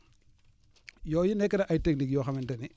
yooyu nekk na ay techniques yoo xamante ne